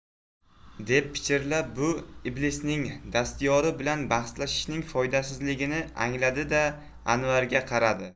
deb pichirlab bu iblisning dastyori bilan bahslashishning foydasizligini angladi da anvarga qaradi